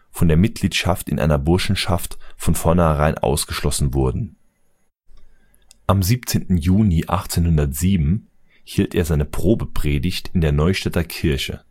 von der Mitgliedschaft in einer Burschenschaft von vorneherein ausgeschlossen wurden. Am 17. Juni 1817 hielt er seine Probepredigt in der Neustädter Kirche